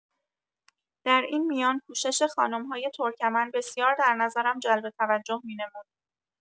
در این میان پوشش خانم‌های ترکمن بسیار در نظرم جلب توجه می‌نمود.